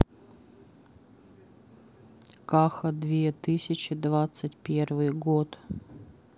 каха две тысячи двадцать первый год